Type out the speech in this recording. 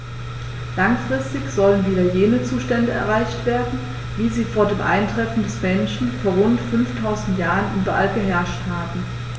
Langfristig sollen wieder jene Zustände erreicht werden, wie sie vor dem Eintreffen des Menschen vor rund 5000 Jahren überall geherrscht haben.